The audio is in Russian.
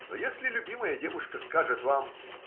Но если любимая девушка скажет вам